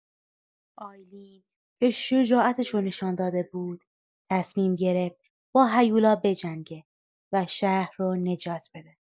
آیلین که شجاعتشو نشون داده بود، تصمیم گرفت با هیولا بجنگه و شهر رو نجات بده.